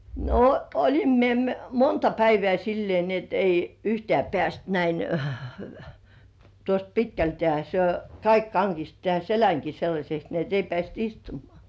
no olin minä - monta päivää sillä lailla niin että ei yhtään päässyt näin tuosta pitkältään se kaikki kangisti tämän selänkin sellaiseksi niin että ei päässyt istumaan